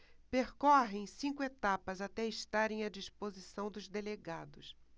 percorrem cinco etapas até estarem à disposição dos delegados